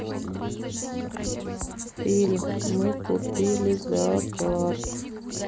фильм мы купили зоопарк